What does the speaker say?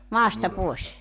maasta pois